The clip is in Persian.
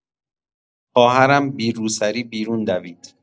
خواهرم بی روسری بیرون دوید